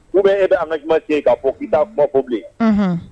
ou bien e bɛ engagement signé k'a fɔ k'i t'a fɔbilen, unhun